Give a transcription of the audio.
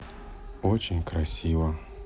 очень красиво